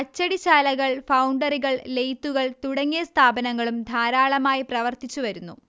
അച്ചടിശാലകൾ ഫൗണ്ടറികൾ ലെയ്ത്തുകൾ തുടങ്ങിയ സ്ഥാപനങ്ങളും ധാരാളമായി പ്രവർത്തിച്ചു വരുന്നു